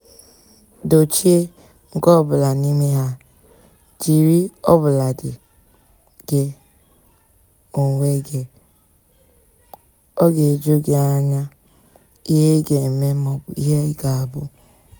Dochie [nke ọ bụla n'ime ha] jiri ọbụladị gị onwe gị, ọ ga-eju gị anya ihe ị ga-eme maọbụ ihe ị ga-abụ.